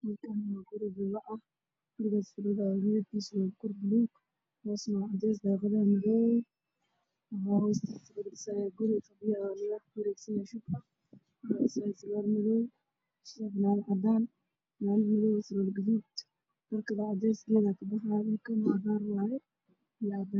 Meshan waa guri Qabyo ah waxaa dhisaayo niman badan